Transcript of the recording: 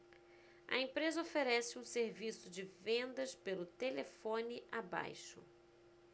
a empresa oferece um serviço de vendas pelo telefone abaixo